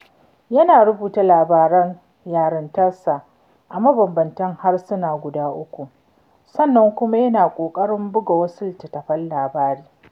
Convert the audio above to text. Yana rubuta labaran yarintarsa a mabambantan harsuna guda uku sannan kuma yana ƙoƙarin buga wasu littattafan labari.